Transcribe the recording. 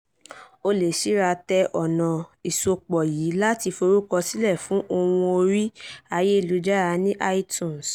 O lè síratẹ ọ̀nà-ìsopọ̀ yìí láti forúkọsílẹ̀ fún ohùn orí ayélujára ní iTunes.